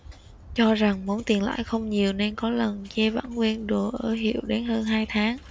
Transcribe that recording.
cho rằng món tiền lãi không nhiều nên có lần g bẵng quên đồ ở hiệu đến hơn hai tháng